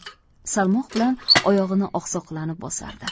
salmoq bilan oyog'ini oqsoqlanib bosardi